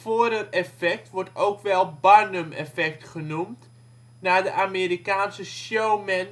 Forer-effect wordt ook wel Barnum-effect genoemd, naar de Amerikaanse showman